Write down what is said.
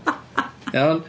Iawn.